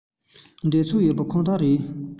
འདོད ཕྱོགས ཡོད པ ཁོ ཐག རེད